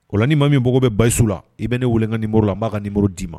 Lɔin ma min b npogo bɛ basisiw la i bɛ ne weeleka ni muru la b'a ka nin muru di ma